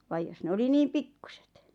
vaan jos ne oli niin pikkuiset